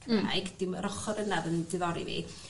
Hmm. ...Cymraeg dim yr ochor yn o'dd yn diddori fi.